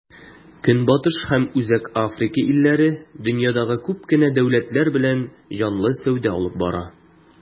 Көнбатыш һәм Үзәк Африка илләре дөньядагы күп кенә дәүләтләр белән җанлы сәүдә алып бара.